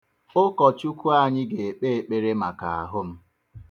Ụkọchukwu anyị ga-ekpe ekpere maka ahụ m.